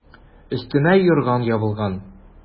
Өстемә юрган ябылган.